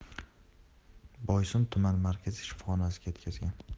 boysun tuman markaziy shifoxonasiga yetkazgan